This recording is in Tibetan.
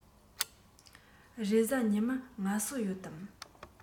རེས གཟའ ཉི མར ངལ གསོ ཡོད དམ